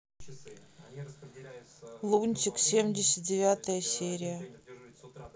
лунтик семьдесят девятая серия